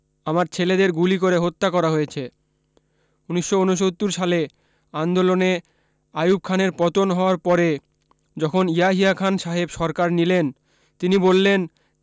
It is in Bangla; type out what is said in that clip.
আমার ছেলেদের গুলি করে হত্যা করা হয়েছে ১৯৬৯ সালে আন্দোলনে আইয়ুব খানের পতন হওয়া পরে যখন ইয়াহিয়া খান সাহেব সরকার নিলেন তিনি বললেন